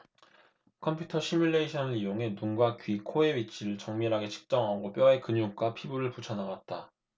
컴퓨터 시뮬레이션을 이용해 눈과 귀 코의 위치를 정밀하게 측정하고 뼈에 근육과 피부를 붙여 나갔다